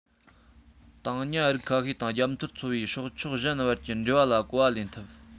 དང ཉ རིགས ཁ ཤས དང རྒྱ མཚོར འཚོ བའི སྲོག ཆགས གཞན བར གྱི འབྲེལ བ ལ གོ བ ལེན ཐུབ